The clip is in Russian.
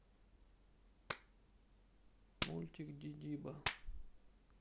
мультик дидибо